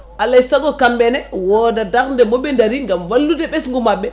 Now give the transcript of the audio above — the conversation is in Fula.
alay saago kamɓene woda darde moɓe daari gam wallude ɓesgu mabɓe